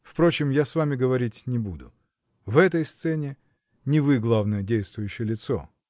Впрочем, я с вами говорить не буду: в этой сцене не вы главное действующее лицо.